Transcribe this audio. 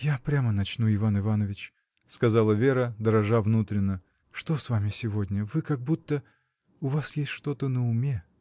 — Я прямо начну, Иван Иванович, — сказала Вера, дрожа внутренно, — что с вами сегодня? Вы как будто. у вас есть что-то на уме.